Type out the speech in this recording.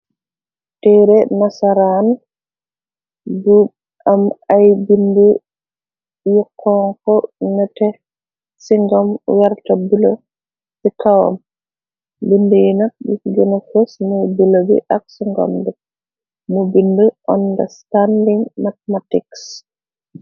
Tere nasaran bub am ay bind yu xonko nete syngom werta bulo bi kowam bind yi nat bi gena fes ne bule bi ak sngombe mu bind ënde standing mathematiks.